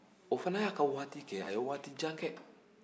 o fana y'a ka waati kɛ a ye waati jan kɛ